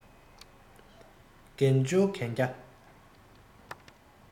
འགན བཅོལ གན རྒྱ